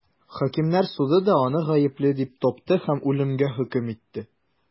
Хакимнәр суды да аны гаепле дип тапты һәм үлемгә хөкем итте.